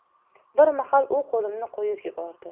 bir mahal u qo'limni qo'yib yubordi